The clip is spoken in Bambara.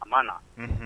A man na